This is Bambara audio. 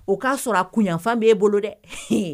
O k'a sɔrɔ a kunɲan fan bɛ e bolo dɛ, ɛnhin